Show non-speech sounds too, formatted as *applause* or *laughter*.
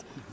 *hesitation* *hesitation*